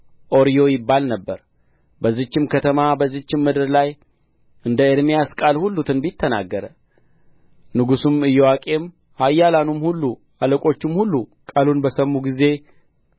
ኦርዮ ይባል ነበር በዚህችም ከተማ በዚህችም ምድር ላይ እንደ ኤርምያስ ቃል ሁሉ ትንቢት ተናገረ ንጉሡም ኢዮአቄም ኃያላኑም ሁሉ አለቆቹም ሁሉ ቃሉን በሰሙ ጊዜ